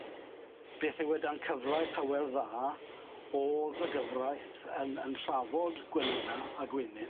beth yw e dan cyfraith Hywel Dda o'dd y gyfraith yn yn trafod gwenyna a gwenyn.